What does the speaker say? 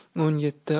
o'n yetti